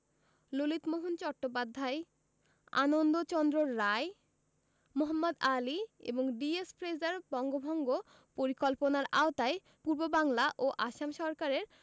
ললিতমোহন চট্টোপাধ্যায় আনন্দচন্দ্র রায় মোহাম্মদ আলী এবং D S. Fraser বঙ্গভঙ্গ পরিকল্পনার আওতায় পূর্ববাংলা ও আসাম সরকারের